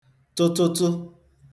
tụtụtụ